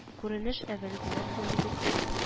Күренеш ә вәлгеләр һәм егетләр